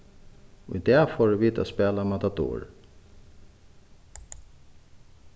í dag fóru vit at spæla matador